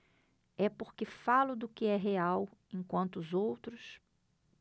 é porque falo do que é real enquanto os outros